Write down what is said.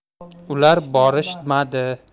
ular borishmadi